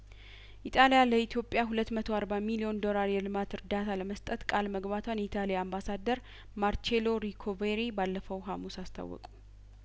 ኢጣሊያለኢትዮጵያሁለት መቶ አርባ ሚሊዮን ዶራል የልማት ርዳታ ለመስጠት ቃል መግባቷን የኢታሊያአምባሳደር ማርቼሎ ሪኮቬሪ ባለፈው ሀሙስ አስታወቁ